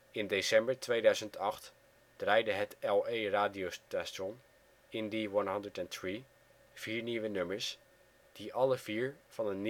december 2008 draaide het L.A.-radiostation Indie 103 vier nieuwe nummers die alle vier van een